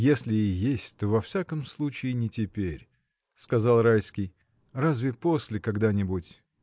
— Если и есть, то во всяком случае не теперь, — сказал Райский, — разве после когда-нибудь.